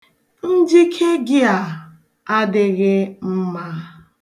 Njike gị a adịghị mma.